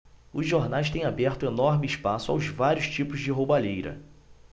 os jornais têm aberto enorme espaço aos vários tipos de roubalheira